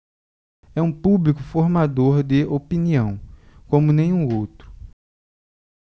é um público formador de opinião como nenhum outro